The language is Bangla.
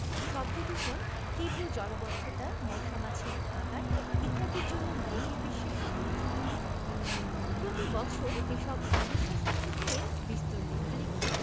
শব্দদূষণ তীব্র জলাবদ্ধতা মশা মাছির ভাঁগাড় ইত্যাদির জন্য বহির্বিশ্বে সুপরিচিত প্রতিবছর এসব সমস্যা সঙ্কট নিয়ে বিস্তর লেখালেখি